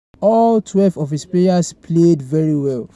All 12 of his players played very well.